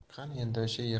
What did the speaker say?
qani endi o'sha